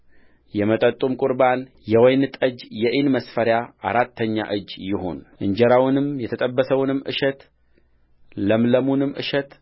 የመጠጡም ቍርባን የወይን ጠጅ የኢን መስፈሪያ አራተኛ እጅ ይሁንእንጀራውንም የተጠበሰውንም እሸት ለምለሙንም እሸት